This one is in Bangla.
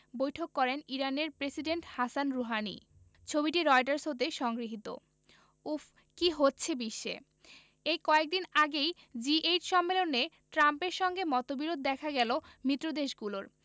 বৈঠক করেন ইরানের প্রেসিডেন্ট হাসান রুহানি ছবিটি রয়টার্স থেকে সংগৃহীত উফ্ কী হচ্ছে বিশ্বে এই কয়েক দিন আগেই জি এইট সম্মেলনে ট্রাম্পের সঙ্গে মতবিরোধ দেখা গেল মিত্রদেশগুলোর